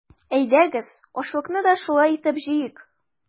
Әйдәгез, ашлыкны да шулай итеп җыйыйк!